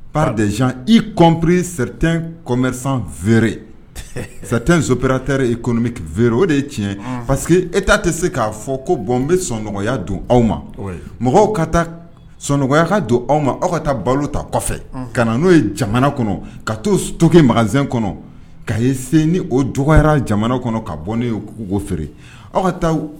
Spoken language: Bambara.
D ip sat sopra i o de tiɲɛ pa que e t taa tɛ se k'a fɔ ko bɔn n bɛ soɔgɔya don aw ma mɔgɔw ka taa soɔgɔ don aw ma aw ka taa balo ta kɔfɛ ka na n'o ye jamana kɔnɔ ka to to makanz kɔnɔ ka ye sen ni o dugyara jamana kɔnɔ ka bɔnengo feere aw ka taa